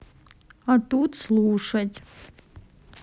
а тут слушать